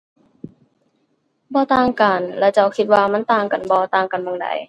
บ่ต่างกัน แล้วเจ้าคิดว่ามันต่างกันบ่ ต่างกันหม้องใด